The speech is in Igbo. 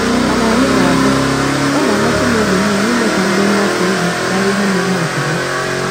Mana anyị ga-ahụ, ọ na amasị m oge niile ịme ka ndị mgbasa ozi mara ihe na eme ozugbo.”